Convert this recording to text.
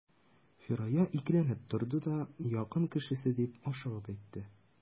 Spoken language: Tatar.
Фирая икеләнеп торды да: — Якын кешесе,— дип ашыгып әйтте.